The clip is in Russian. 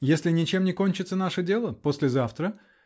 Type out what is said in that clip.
-- Если ничем не кончится наше дело -- послезавтра